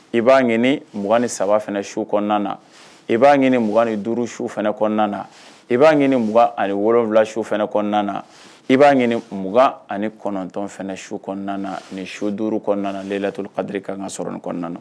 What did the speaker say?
I b'a ɲini mugan ni saba fana su kɔnɔna na, i b'a ɲini mugan ni duuru su fana kɔnɔna na, i b'a ɲini mugan ani wolonwula su fana kɔnɔna na, i b'a mugan ani kɔnɔntɔn fana su kɔnɔna na, nin su duuru kɔnɔna layilatulu kadiri ka kan ka sɔrɔ nin kɔnɔna na